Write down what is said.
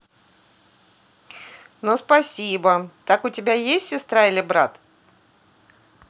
ну спасибо так у тебя есть сестра или брат